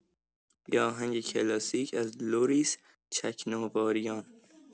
یه آهنگ کلاسیک از لوریس چکناواریان